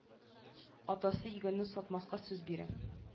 Атасы йөгәнне сатмаска сүз бирә